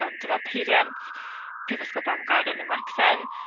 Ond dyma peiriant Prifysgol Bangor o'r enw Macsen.